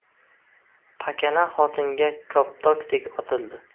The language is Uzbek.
pakana xotinga koptokdek otildi